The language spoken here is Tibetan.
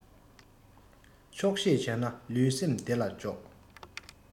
ཆོག ཤེས བྱས ན ལུས སེམས བདེ ལ འཇོག